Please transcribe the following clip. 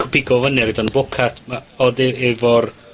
go' pigo fynny a roid o yn y bocad. Ma', a wedyn efo'r...